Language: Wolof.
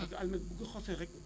parce que alumette bu ko xosee rek